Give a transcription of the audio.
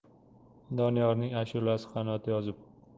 doniyorning ashulasi qanot yozib